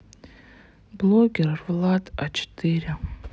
блогер влад а четыре